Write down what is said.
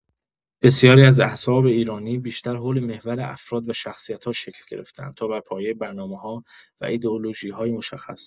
بسیاری از احزاب ایرانی بیشتر حول محور افراد و شخصیت‌ها شکل گرفته‌اند تا بر پایه برنامه‌‌ها و ایدئولوژی‌های مشخص.